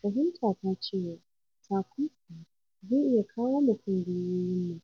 “Fahimta ta cewa takunkumi zai iya kawo mu kan gwiwowinmu